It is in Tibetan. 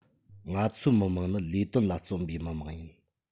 ང ཚོའི མི དམངས ནི ལས ལ བརྩོན པའི མི དམངས ཡིན